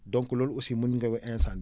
donc loolu aussi mun nga wa incendie